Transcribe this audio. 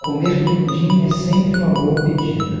comer quindim é sempre uma boa pedida